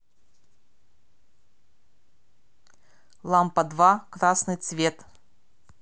лампа два красный цвет